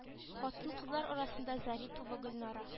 Хатын-кызлар арасында зарипова гөлнара